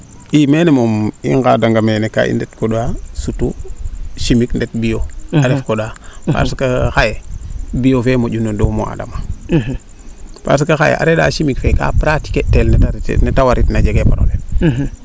i meene moom i ngaada nga mene kaa i boog ko leya sutu chimique ndet bio a ref ke o leya parce que xaye bio fee moƴu no doomu adama parce a re angaa chimique fee ka pratiquer :far tel neetee warit na jege probleme